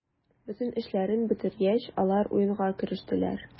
Бөтен эшләрен бетергәч, алар уенга керештеләр.